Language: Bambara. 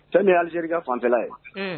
Fɛn min ye Alijeri ka fanfɛla ye. Unhun